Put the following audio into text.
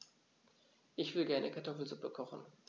Ich will gerne Kartoffelsuppe kochen.